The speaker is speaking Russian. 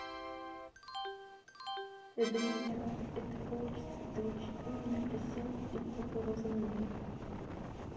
я думаю у тебя это получится ты очень умная красивая и благоразумное